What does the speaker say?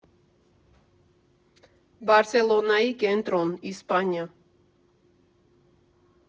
Բարսելոնայի կենտրոն, Իսպանիա։